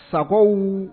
Sago